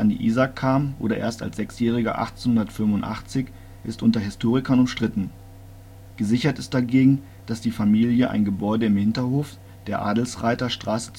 Isar kam, oder erst als Sechsjähriger 1885, ist unter Historikern umstritten. Gesichert ist dagegen, dass die Familie ein Gebäude im Hinterhof der Adlzreiterstraße